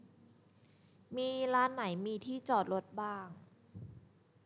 มีร้านไหนมีที่จอดรถบ้าง